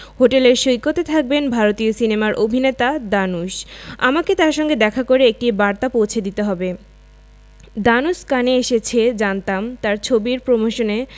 হোটেলের সৈকতে থাকবেন ভারতীয় সিনেমার অভিনেতা ধানুশ আমাকে তার সাথে দেখা করে একটি বার্তা পৌঁছে দিতে হবে ধানুশ কানে এসেছে জানতাম তার ছবির প্রমোশনে